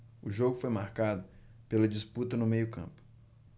o jogo foi marcado pela disputa no meio campo